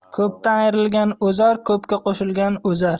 ko'pdan ayrilgan ozar ko'pga qo'shilgan o'zar